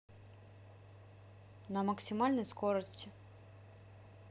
на максимальной скорости